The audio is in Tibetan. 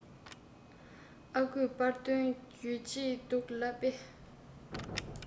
ཨ ཁུས པར བཏོན རྒྱུ བརྗེད འདུག ལབ པས